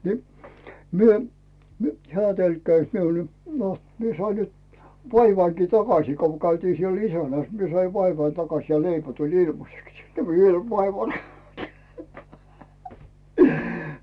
niin me - hän tölkkäisi minulle no minä sain nyt vaivanikin takaisin kun käytiin siellä isännässä minä sain vaivani takaisin ja leipä tuli ilmaiseksi ja vielä vaivani